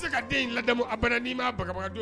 A bɛ se ka den in ladamu a bɛ' ma